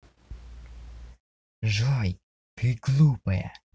джой ты глупая